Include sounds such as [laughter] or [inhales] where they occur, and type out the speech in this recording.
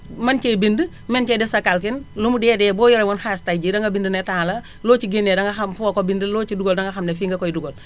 mën cee bind mën cee def sa calcule lu mu dee dee boo yorewoon xaalis tay jii danga bind ne tant la [inhales] loo ci génnee danga xam foo ko bind loo ci dugal danga xam ne fii nga ko dugal